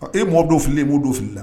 E mɔ don fili e mɔ don fili la